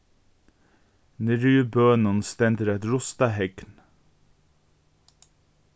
niðri í bønum stendur eitt rustað hegn